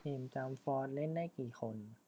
เกมจั๊มฟอสเล่นได้กี่คน